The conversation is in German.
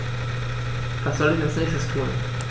Was soll ich als Nächstes tun?